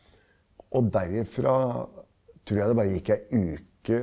og derifra trur jeg det bare gikk ei uke.